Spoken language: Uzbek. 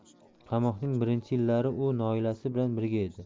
qamoqning birinchi yillari u noilasi bilan birga edi